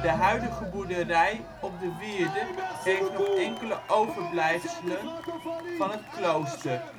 huidige boerderij op de wierde heeft nog enkele overblijfselen van het klooster